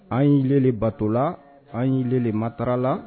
An' y'i le le batola an y'i le le matara la